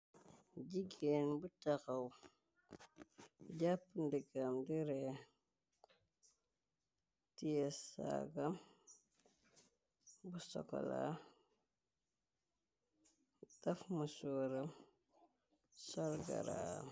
Gigeen bu taxaw, jàppu ndigam di reeh, tiyeh sagam bu sokohlat, def musóoram, sol garaam.